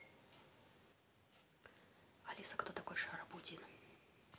афина кто такой шарабудин